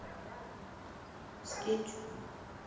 с кетчупом